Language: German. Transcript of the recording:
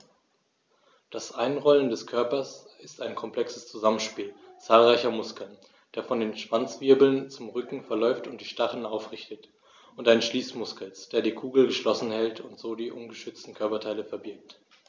Das Einrollen des Körpers ist ein komplexes Zusammenspiel zahlreicher Muskeln, der von den Schwanzwirbeln zum Rücken verläuft und die Stacheln aufrichtet, und eines Schließmuskels, der die Kugel geschlossen hält und so die ungeschützten Körperteile verbirgt.